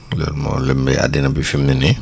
loolu moo lëmbee addina bi fi mu ne nii